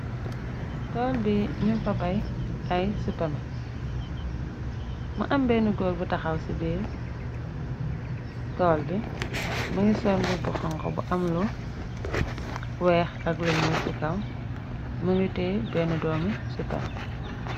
tool bi ñum fa bay ay supame më am benn góol bu taxaw ci diir tool bi më ngi sorb bu xongo bu am lo weex ak luñul ci kaw mëngi te benn doomi supamé